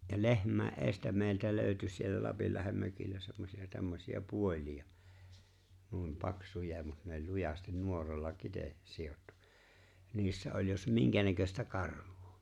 ja lehmien edestä meiltä löytyi siellä Lapinlahden mökillä semmoisia tämmöisiä puolia noin paksuja mutta ne oli lujasti nuoralla - sidottu niissä oli jos minkänäköistä karvaa